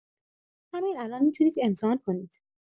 همین الان می‌تونید امتحان کنید.